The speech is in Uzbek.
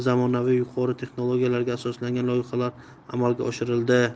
zamonaviy yuqori texnologiyalarga asoslangan loyihalar amalga oshirildi